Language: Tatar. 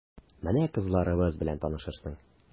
Менә кызларыбыз белән танышырсың...